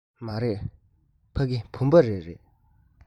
མ རེད ཕ གི བུམ པ རི རེད